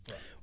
waaw